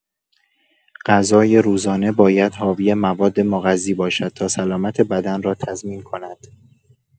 غذای روزانه باید حاوی مواد مغذی باشد تا سلامت بدن را تضمین کند.